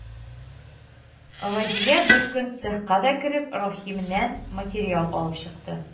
Разия беркөн, цехка да кереп, Рәхимнән материал алып чыкты